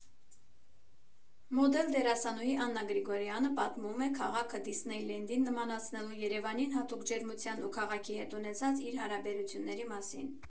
Մոդել֊դերասանուհի Աննա Գրիգորյանը պատմում է քաղաքը «Դիսնեյ Լենդին» նմանացնելու, Երևանին հատուկ ջերմության ու քաղաքի հետ ունեցած իր հարաբերությունների մասին։